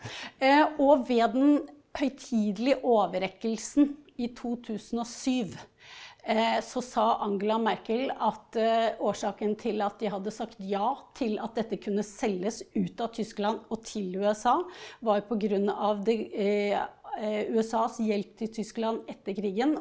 og ved den høytidelige overrekkelsen i 2007 så sa Angela Merkel at årsaken til at de hadde sagt ja til at det kunne selges ut av Tyskland og til USA, var pga. det USAs hjelp til Tyskland etter krigen.